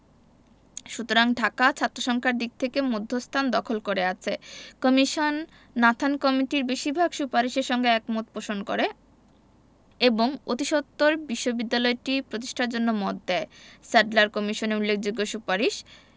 সুতরাং ঢাকা ছাত্রসংখ্যার দিক থেকে মধ্যস্থান দখল করে আছে কমিশন নাথান কমিটির বেশির ভাগ সুপারিশের সঙ্গে একমত পোষণ করে এবং অতিসত্বর বিশ্ববিদ্যালয়টি প্রতিষ্ঠার জন্য মত দেয় স্যাডলার কমিশনের উল্লেখযোগ্য সুপারিশ: